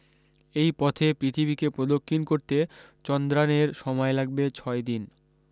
এই পথে পৃথিবীকে প্রদক্ষিণ করতে চন্দ্র্যানের সময় লাগবে ছয় দিন